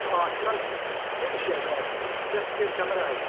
O ti weld, heb isie yndyfe. Jyst i'r camerâu.